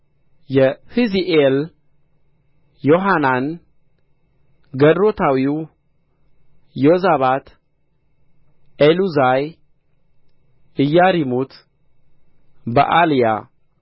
የሕዚኤል ዮሐናን ገድሮታዊው ዮዛባት ኤሉዛይ ኢያሪሙት በዓልያ